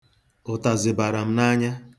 Ụtazị bara m n'anya.